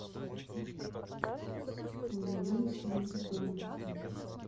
полуночное солнце